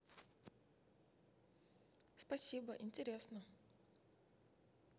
спасибо интересно